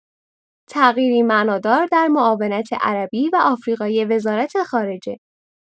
تغییری معنادار در معاونت عربی و آفریقای وزارت‌خارجه.